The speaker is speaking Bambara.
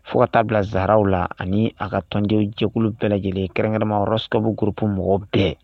Fo ka taa bila zararaww la ani a ka tɔndijɛkulu bɛɛ lajɛlen kɛrɛnkɛma s sababubu gurp mɔgɔ bɛɛ